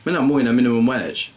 Mae hynna'n mwy na minimum wage.